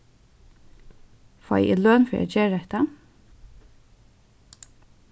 fái eg løn fyri at gera hetta